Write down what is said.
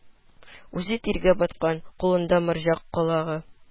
Үзе тиргә баткан, кулында морҗа калагы